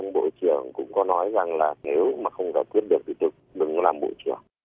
ông bộ trưởng cũng có nói rằng là nếu mà không giải quyết dứt điểm thì đừng làm bộ trưởng